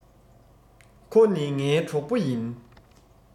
ཁོ ནི ངའི གྲོགས པོ ཡིན